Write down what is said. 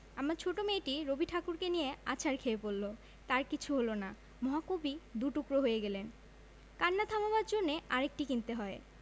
আমার ছোট মেয়েটি রবিঠাকুরকে নিয়ে আছাড় খেয়ে পড়ল তার কিছু হল না মহাকবি দু'টুকরা হয়ে গেলেন কান্না থামাবার জন্যে আরেকটি কিনতে হয়